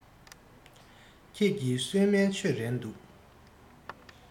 ཁྱེད ཀྱིས གསོལ སྨན མཆོད རན འདུག